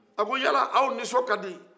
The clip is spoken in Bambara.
a ko yala aw nisɔn ka di